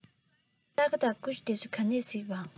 སྟར ཁ དང ཀུ ཤུ དེ ཚོ ག ནས གཟིགས པ